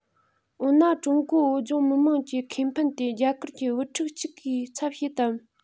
འོ ན ཀྲུང གོའི བོད ལྗོངས མི དམངས ཀྱི ཁེ ཕན དེ རྒྱ གར གྱི བུ ཕྲུག ཅིག གིས ཚབ བྱེད དམ